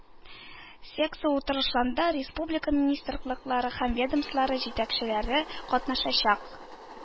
Секция утырышларында республика министрлыклары һәм ведомстволары җитәкчеләре катнашачак